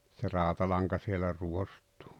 se rautalanka siellä ruostuu